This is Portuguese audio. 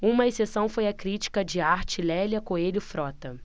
uma exceção foi a crítica de arte lélia coelho frota